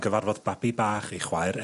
...gyfarfod babi bach ei chwaer...